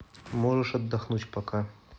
можешь отдохнуть пока